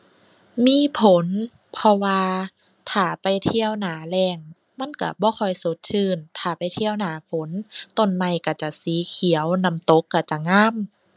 มีผล เพราะว่าถ้าไปเที่ยวหน้าแล้งมันก็บ่ค่อยสดชื่น ถ้าไปเที่ยวหน้าฝน ต้นไม้ก็จะสีเขียว น้ำตกก็จะงาม